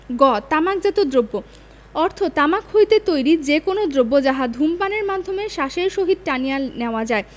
গ তামাকজাত দ্রব্য অর্থ তামাক হইতে তৈরী যে কোন দ্রব্য যাহা ধূমপানের মাধ্যমে শ্বাসের সহিত টানিয়া নেওয়া যায়